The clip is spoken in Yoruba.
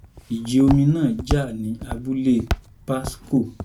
Ìjì omi náà jà ní abúlé Pasco.